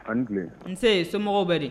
A ni kile. Unse somɔgɔw bɛ di?